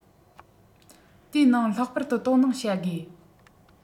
དེའི ནང ལྷག པར དུ དོ སྣང བྱ དགོས